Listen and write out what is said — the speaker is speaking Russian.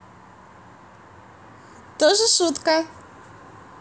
тоже шутка